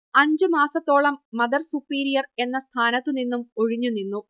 അഞ്ച് മാസത്തോളം mother superior എന്ന സ്ഥാനത്തു നിന്നും ഒഴിഞ്ഞു നിന്നു